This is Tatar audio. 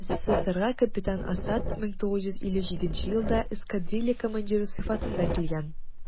СССРга капитан Асад 1957 елда эскадрилья командиры сыйфатында килгән.